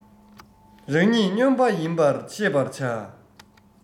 རང ཉིད སྨྱོན པ ཡིན པར ཤེས པར བྱ